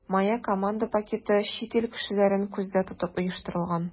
“моя команда” пакеты чит ил кешеләрен күздә тотып оештырылган.